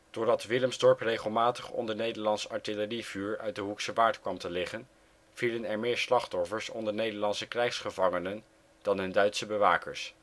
Doordat Willemsdorp regelmatig onder Nederlands artillerievuur uit de Hoekse Waard kwam te liggen, vielen er meer slachtoffers onder Nederlandse krijgsgevangenen dan hun Duitse bewakers